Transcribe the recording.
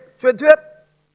truyền thuyết